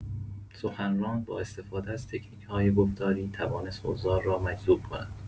سخنران با استفاده از تکنیک‌های گفتاری توانست حضار را مجذوب کند.